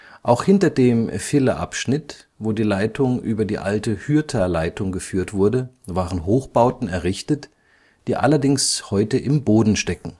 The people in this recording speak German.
Auch hinter dem Villeabschnitt, wo die Leitung über die alte Hürther Leitung geführt wurde, waren Hochbauten errichtet, die allerdings heute im Boden stecken